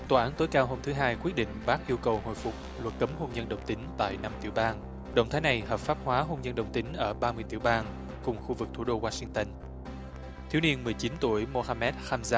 tòa án tối cao hôm thứ hai quyết định bác yêu cầu hồi phục luật cấm hôn nhân đồng tính tại năm tiểu bang động thái này hợp pháp hóa hôn nhân đồng tính ở ba mươi tiểu bang cùng khu vực thủ đô washington thiếu niên mười chín tuổi mô ha mét tham gia